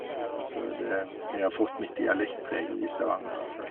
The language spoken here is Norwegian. Altså, det jeg har fått mitt dialektpreg i Stavanger, hvert fall.